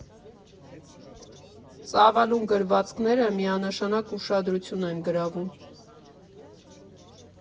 Ծավալուն գրվածքները միանշանակ ուշադրություն են գրավում։